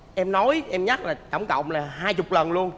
em nói em nhắc là tổng cộng là hai chục lần luôn